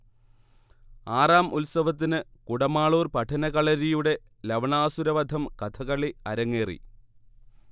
ആറാം ഉത്സവത്തിന് കുടമാളൂർ പഠനകളരിയുടെ ലവണാസുരവധം കഥകളി അരങ്ങേറി